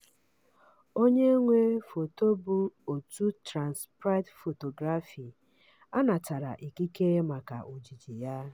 Onye Nwe Foto bụ Òtù Trans Pride Photography, a natara ikike maka ojiji ya.